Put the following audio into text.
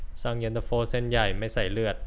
สั่งเย็นตาโฟเส้นใหญ่ไม่ใส่เลือด